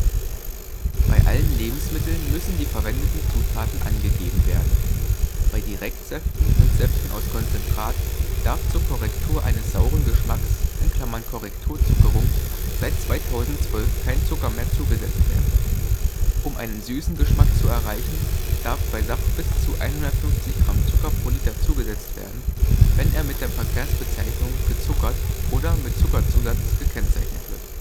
Bei allen Lebensmitteln müssen die verwendeten Zutaten angegeben werden. Bei Direktsäften und Säften aus Konzentrat darf zur Korrektur eines sauren Geschmacks (Korrekturzuckerung) seit 2012 kein Zucker mehr zugesetzt werden. Um einen süßen Geschmack zu erreichen, darf bei Saft bis zu 150 g Zucker pro Liter zugesetzt werden, wenn er mit der Verkehrsbezeichnung „ gezuckert “oder „ mit Zuckerzusatz “gekennzeichnet wird